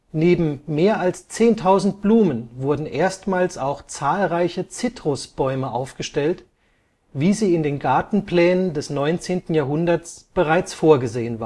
Neben mehr als 10.000 Blumen wurden erstmals auch zahlreiche Zitrusbäume aufgestellt, wie sie in den Gartenplänen des 19. Jahrhunderts bereits vorgesehen